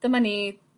dyma ni